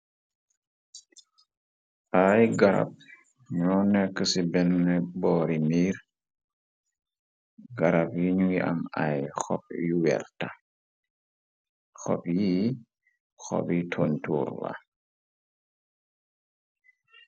ay garab ñoo nekk ci benn boori mbiir garab yiñuy am ay wertaxob yi xobi tontuur la